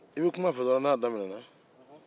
i bɛ kuma n fɛ n'a daminɛna